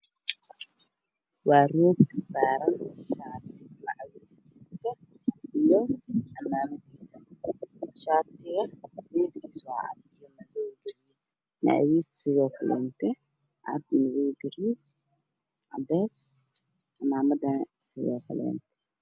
Waa shaati macwiis cimaamad midabkoodu yihiin cadaan madow cadays isku jiro roga dhur ku yaalla waa cagaar